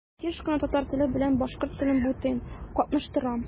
Еш кына татар теле белән башкорт телен бутыйм, катнаштырам.